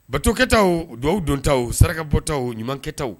Batokɛyita dɔw donta saraka bɔta ɲumankɛw